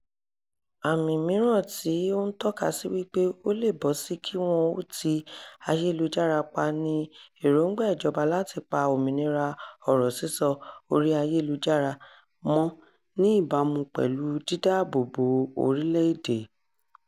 Àmì mìíràn tí ó ń tọ́ka sí wípé ó lè bọ́ sí kí wọn ó ti ayélujára pa ni èròńgbà ìjọba láti pa òmìnira ọ̀rọ̀ sísọ orí ayélujára mọ́n ní ìbámu pẹ̀lú dídáàbobo orílẹ̀-èdè.